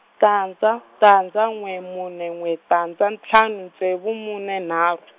tandza tandza n'we mune n'we tandza ntlhanu ntsevu mune nharhu.